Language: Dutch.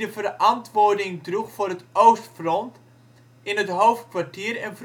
verantwoording droeg voor het oostfront, in het hoofdkwartier en